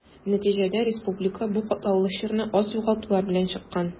Нәтиҗәдә республика бу катлаулы чорны аз югалтулар белән чыккан.